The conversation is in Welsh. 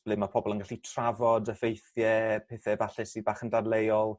ble ma' pobol yn gallu trafod e ffeithie pethe falle sy bach yn dadleuol.